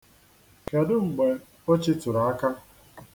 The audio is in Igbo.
Kedụ mgbe o chịturu aka?